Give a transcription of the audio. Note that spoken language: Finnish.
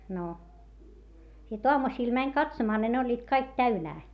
no sitten aamusilla meni katsomaan niin ne olivat kaikki täynnä